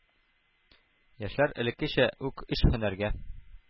Яшьләр элеккечә үк өч һөнәргә